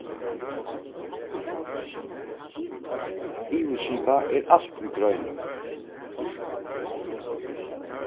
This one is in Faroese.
yvirskipað er alt í greinum